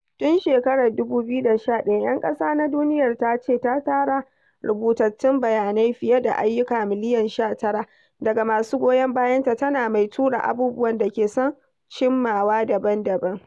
Tun shekarar 2011, 'Yan Ƙasa na Duniyar ta ce ta tara rubutattun bayanai fiye da "ayyuka" miliyan 19 daga masu goyon bayanta, tana mai tura abubuwan da ke son cimmawa daban-daban.